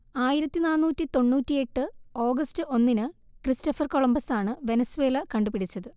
ആയിരത്തി നാന്നൂറ്റി തൊണ്ണൂറ്റിയെട്ട് ഓഗസ്റ്റ് ഒന്നിനു ക്രിസ്റ്റഫർ കൊംളമ്പസാണു വെനസ്വേല കണ്ടുപിടിച്ചത്